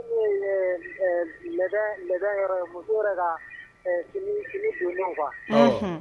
Muso yɛrɛ ka fini donnenw quoi